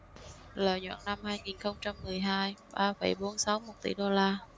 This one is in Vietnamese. lợi nhuận năm hai nghìn không trăm mười hai ba phẩy bốn sáu một tỷ đô la